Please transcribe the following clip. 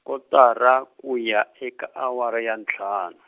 kotara ku ya eka awara ya ntlhanu.